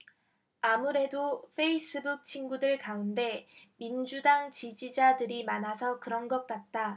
아무래도 페이스북 친구들 가운데 민주당 지지자들이 많아서 그런 것 같다